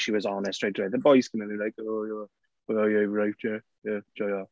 She was on it straight away. The boys are going to be like, oh yeah right, yeah yeah yeah Joio.